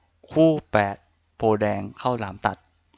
คู่แปดโพธิ์แดงข้าวหลามตัด